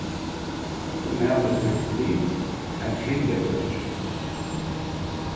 hon mælir tí til at friða økið